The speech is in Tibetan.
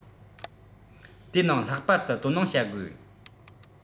དེའི ནང ལྷག པར དུ དོ སྣང བྱ དགོས